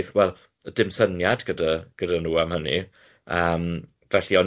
Wel, dim syniad gyda gyda nhw am hynny, yym felly o'n i'n